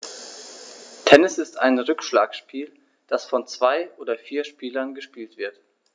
Tennis ist ein Rückschlagspiel, das von zwei oder vier Spielern gespielt wird.